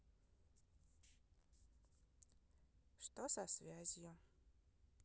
что со связью